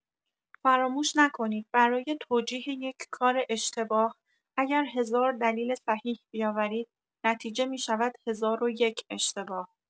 فراموش نکنید برای توجیه یک کار اشتباه اگر هزار دلیل صحیح بیاورید نتیجه می‌شود هزار و یک اشتباه.